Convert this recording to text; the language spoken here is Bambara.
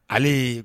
Ayi